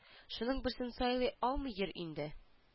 Шуның берсен сайлый алмый йөр инде